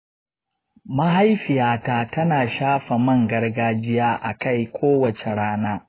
mahaifiyata tana shafa man gargajiya a kai kowace rana.